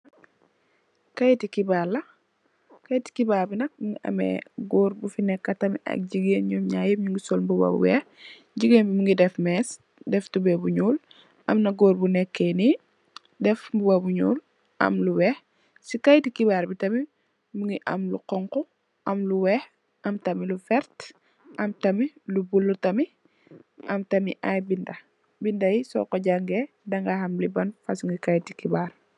Kayiti xabaar la, kayiti xibaar bi nak, mingi ame goor bu fa nekkk tamit ay jigeen, nyom nyaar yapp nyingi sol mbuba bu weex, jigeen bi mingi def mees, def tubay bu nyuul, am na goor bu neke ni, def mbuba bu nyuul, am lu weex, si kayiti xibaar bi tamit, mingi am lu xonxu, am lu weex, ame tamit lu verte, am tamit lu bula tamit, am tamit ay binda, binda yu so ko jange, dangay xam li ban fason ngi kayiti xibaar la.